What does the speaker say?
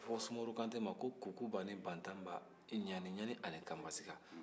a bɛ fɔ sumaworo kantɛ ma ko kokoba ni bantaba ɲaniɲani ani kanbasiga